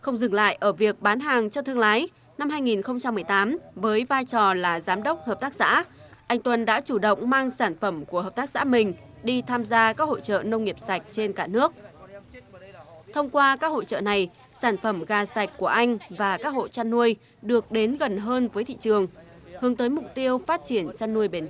không dừng lại ở việc bán hàng cho thương lái năm hai nghìn không trăm mười tám với vai trò là giám đốc hợp tác xã anh tuân đã chủ động mang sản phẩm của hợp tác xã mình đi tham gia các hội chợ nông nghiệp sạch trên cả nước thông qua các hội chợ này sản phẩm gà sạch của anh và các hộ chăn nuôi được đến gần hơn với thị trường hướng tới mục tiêu phát triển chăn nuôi bền